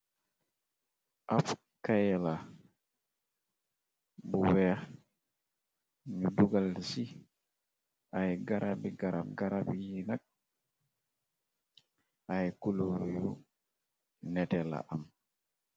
Abkayela bu weex nu dugal ci ay garabi garab garab yi nag ay kulur yu nete la am.